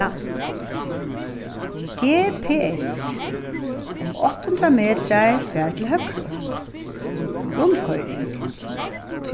gps um átta hundrað metrar far til høgru rundkoyring